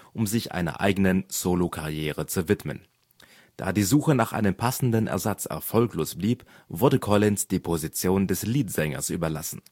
um sich einer eigenen Solokarriere zu widmen. Da die Suche nach einem passenden Ersatz erfolglos blieb, wurde Collins die Position des Lead-Sängers überlassen